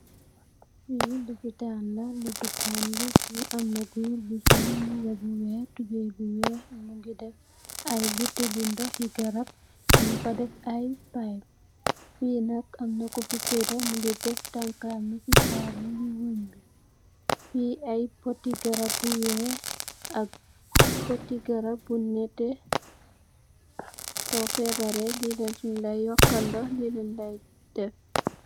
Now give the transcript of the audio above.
Fii lapitan la, lapitan bi amna goor bu sol mbuba bu weex, tubay bu weex, mingi def ay butel li ndoxi garab, nyun fa def ay payip, fi nak ame kufi tedda mingi teg tankam yi si taabuli wenj bi, fi ay poti garab yu weex, ay poti garabu bu nete, so feebare li lanj sun laay yokal ndox li lanj lay def.